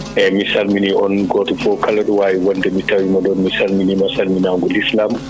eeyi mi salminii on gooto fof kala ɗo waawi wonde mi tawiima ɗoon mi salminiima salminaango l' islam